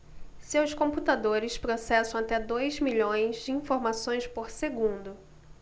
seus computadores processam até dois milhões de informações por segundo